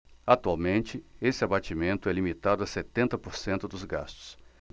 atualmente esse abatimento é limitado a setenta por cento dos gastos